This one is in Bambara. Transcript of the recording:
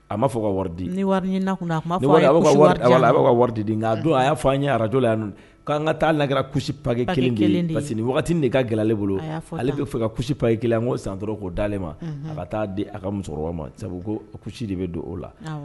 A maa fɔ ka wari di ka wari di nka a y'a fɔ an ɲɛ araj la yan ko'an ka taa lara kusi paki kelen kelen ni ka gɛlɛlen bolo ale' fɛ ka ku papi kelen ko san dɔrɔn ko dalenale ma a ka taa di a ka musokɔrɔba ma sabu ko kusi de bɛ don o la